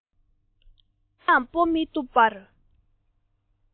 གོམ པ གང ཡང སྤོ མི ཐུབ པར